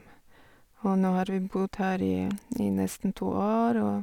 Og nå har vi bodd her i i nesten to år, og...